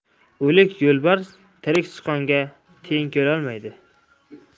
o'lik yo'lbars tirik sichqonga teng kelmaydi